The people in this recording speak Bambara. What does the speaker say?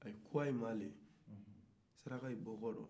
u k'u ma de sarakaw bɔlen kɔ